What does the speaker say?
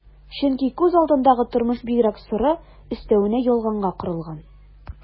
Чөнки күз алдындагы тормыш бигрәк соры, өстәвенә ялганга корылган...